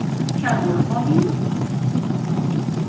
kar bo'lib qoldingmi